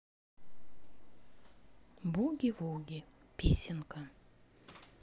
буги вуги песенка